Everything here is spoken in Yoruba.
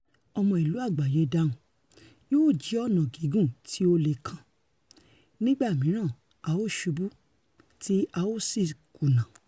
Ọmọ ìlú àgbáyé dáhùn: ''Yóò jẹ́ ọ̀nà gígùn tí ó le kan - nígbà mìíràn a ó súbu tí a ó sì kùnà.